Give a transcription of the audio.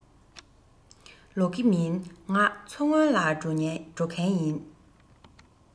ལོག གི མིན ང མཚོ སྔོན ལ འགྲོ མཁན ཡིན